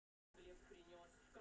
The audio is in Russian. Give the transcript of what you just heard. кальций хлорид десятипроцентный укол